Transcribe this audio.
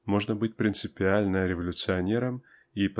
можно быть принципиально революционером и